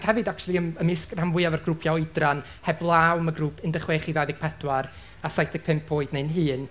Hefyd, actually ym- ymysg rhan fwyaf o'r grwpiau oedran heblaw am y grŵp un deg chwech i ddau ddeg pedwar, a saith deg pump oed neu'n hŷn.